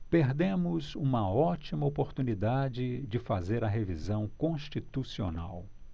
perdemos uma ótima oportunidade de fazer a revisão constitucional